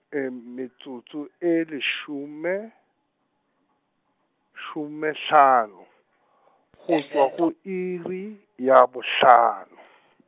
m- metsotso e le šome, šome hlano, go tšwa go iri, ya bohlano.